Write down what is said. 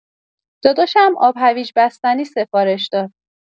داداشم آب هویچ بستنی سفارش داد.